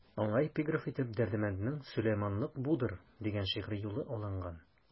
Аңа эпиграф итеп Дәрдмәнднең «Сөләйманлык будыр» дигән шигъри юлы алынган.